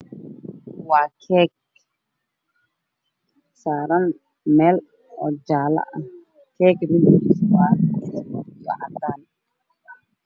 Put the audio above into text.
Waa keek saaran meel jaalo ah keeku midabkiisu waa cadaan